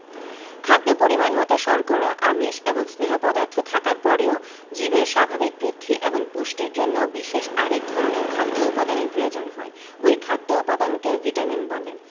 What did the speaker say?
খাদ্যে পরিমাণমতো শর্করা আমিষ এবং স্নেহ পদার্থ থাকার পরেও জীবের স্বাভাবিক বৃদ্ধি এবং পুষ্টির জন্য বিশেষ আরেক ধরনের খাদ্য উপাদানের প্রয়োজন হয় ঐ খাদ্য উপাদানকে ভিটামিন বলে